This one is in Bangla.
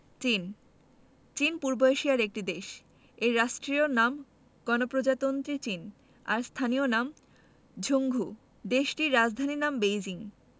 চীন চীন পূর্বএশিয়ার একটি দেশ এর রাষ্ট্রীয় নাম গণপ্রজাতন্ত্রী চীন আর স্থানীয় নাম ঝুংঘু